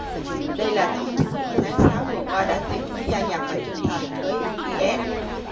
đây là tổ chức hồi tháng sáu vừa qua đã tuyên bố gia nhập và trung thành với i s